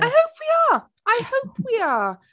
I hope we are! I hope we are.